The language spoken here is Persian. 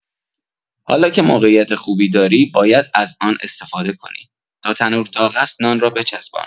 حالا که موقعیت خوبی داری، باید از آن استفاده کنی؛ تا تنور داغ است نان را بچسبان.